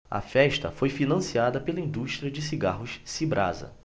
a festa foi financiada pela indústria de cigarros cibrasa